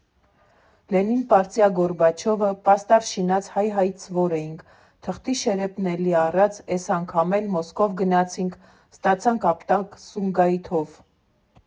«Լենին֊պարտիա֊գորբաչով»֊ը պաստառ շինած հայ հայցվոր էինք, թղթի շերեփն էլի առած՝ էս անգամ էլ Մոսկով գնացինք, ստացանք ապտակ Սումգայիթով։